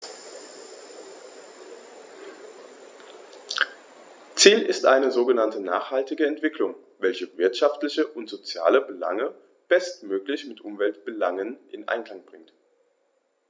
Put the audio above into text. Ziel ist eine sogenannte nachhaltige Entwicklung, welche wirtschaftliche und soziale Belange bestmöglich mit Umweltbelangen in Einklang bringt.